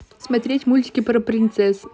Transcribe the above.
смотреть мультики про принцесс